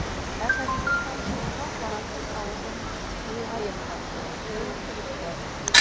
Ә кабинеттан чыгуга, карасам - авызым кыегаеп катты, киеренкелектән.